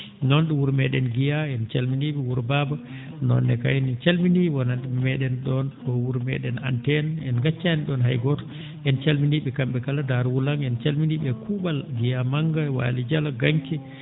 noon ?o wuro mee?en Guiya en calminii ?o wuro Baba noonne kayne calminii wonan?e mee?en ?oon ?o wuro mee?en Anta en en ngaccaani ?oon hay gooto en calminii ?e kam?e kala Darou Wulang en calminii ?e e kuu?al Guiya Maggo e Waali Dialo Ganki